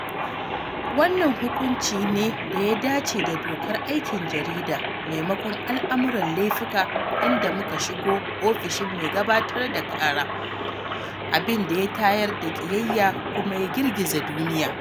Wannan hukunci ne da ya dace da dokar aikin jarida maimakon al’amuran laifuka inda muka shiga ofishin mai gabatar da ƙara, abin da ya tayar da ƙiyayya kuma ya girgiza duniya.